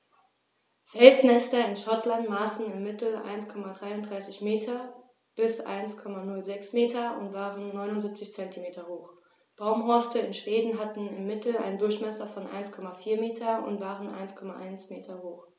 Felsnester in Schottland maßen im Mittel 1,33 m x 1,06 m und waren 0,79 m hoch, Baumhorste in Schweden hatten im Mittel einen Durchmesser von 1,4 m und waren 1,1 m hoch.